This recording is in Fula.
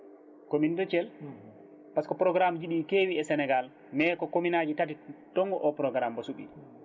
commune de Thiel par ce que ko programme ji ɗi keewi e Sénégal mais ko commune aji tati dongo o programme mbo suuɓi